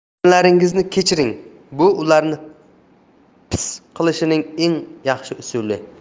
dushmanlaringizni kechiring bu ularni piss qilishning eng yaxshi usuli